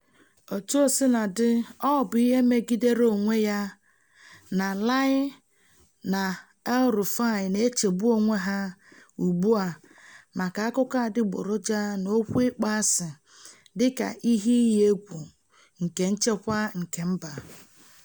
Etuosinadị, ọ bụ ihe megidere onwe ya na Lai na El-Rufai na-echegbu onwe ha ugbu a maka akụkọ adịgboroja na okwu ịkpọasị dịka ihe iyi egwu nchekwa kemba.